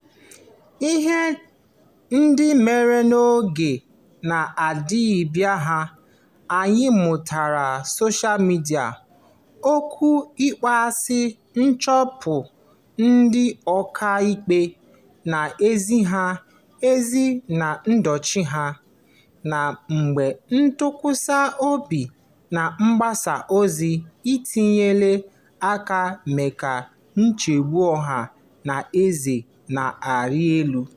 Ihe ndị mere n'oge na-adịbeghị anya metụtara soshaa midịa, okwu ịkpọasị, nchụpụ ndị ọka ikpe na-ezighị ezi na ndochi ha, na mmebi ntụkwasị obi na mgbasa ozi etinyeela aka mee ka nchegbu ọha na eze na-arị elu.